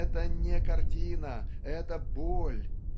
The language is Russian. Это не картина, это - боль.